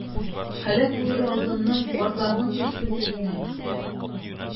Һәлак булыр алдыннан картларның берсе тегеңә әйтә.